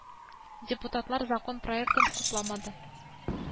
Ә энеңнең исеме ничек?